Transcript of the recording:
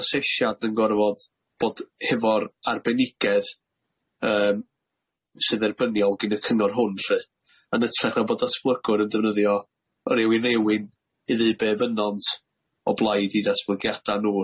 yr asesiad yn gorfod bod hefo'r arbenigedd yym sy dderbyniol gin y cyngor hwn lly yn ytrach na bod datblygwr yn defnyddio rywun rywun i ddeud be' fynont o blaid i datblygiada nw